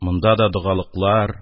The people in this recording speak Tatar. Монда да догалыклар,